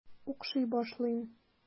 Укшый башлыйм.